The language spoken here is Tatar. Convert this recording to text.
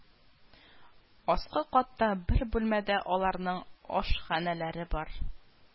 Аскы катта бер бүлмәдә аларның ашханәләре бар